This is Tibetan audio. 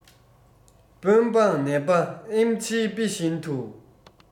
དཔོན འབངས ནད པ ཨེམ ཆིའི དཔེ བཞིན དུ